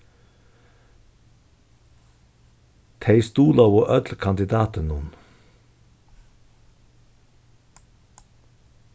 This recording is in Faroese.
tey stuðlaðu øll kandidatinum